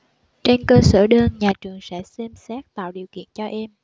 trên cơ sở đơn nhà trường sẽ xem xét tạo điều kiện cho em